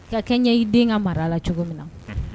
i den ka mara la cogo min na o.